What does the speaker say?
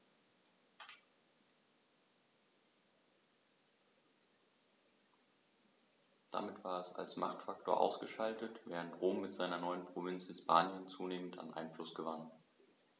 Damit war es als Machtfaktor ausgeschaltet, während Rom mit seiner neuen Provinz Hispanien zunehmend an Einfluss gewann.